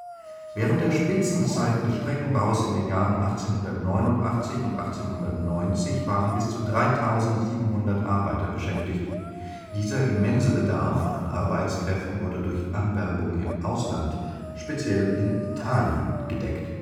Während der Spitzenzeiten des Streckenbaues in den Jahren 1889 und 1890 waren bis zu 3700 Arbeiter beschäftigt. Dieser immense Bedarf an Arbeitskräften wurde durch Anwerbung im Ausland, speziell in Italien, gedeckt